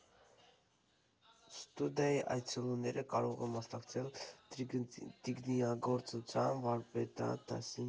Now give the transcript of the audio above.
Ստուդիայի այցելուները կարող են մասնակցել տիկնիկագործության վարպետաց դասի։